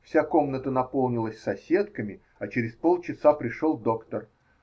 Вся комната наполнилась соседками, а через полчаса пришел доктор.